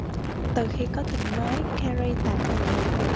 từ khi có tình mới carey tạm dừng nhiều công